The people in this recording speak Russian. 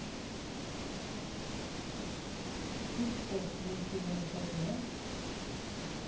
ты что ничего не понимаешь